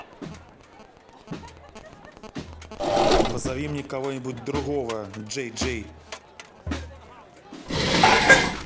позови мне кого нибудь другого jj